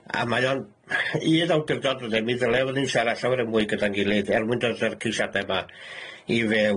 A mae o'n un awdurdod, wedyn mi ddylai fo' ni'n siarad llawer mwy gyda'n gilydd er mwyn dod â'r ceisiade 'ma i fewn.